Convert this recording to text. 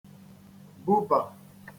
-bubà